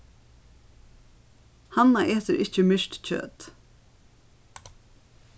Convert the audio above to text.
hanna etur ikki myrkt kjøt